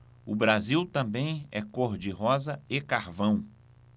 o brasil também é cor de rosa e carvão